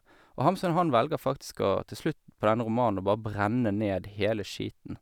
Og Hamsun, han velger faktisk å, til slutt på denne romanen, å bare brenne ned hele skiten.